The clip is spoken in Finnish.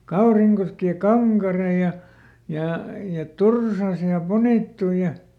Kaurinkoski ja Kankare ja ja ja Tursas ja Punittu ja